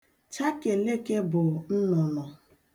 Chakeleke bụ nnụnụ.